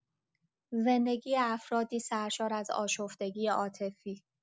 زندگی افرادی سرشار از آشفتگی عاطفی